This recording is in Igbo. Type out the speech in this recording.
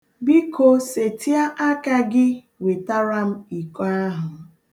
Biko, setịa aka gị wetara m iko ahụ.